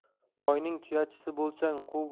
boyning tuyachisi bo'lsang quv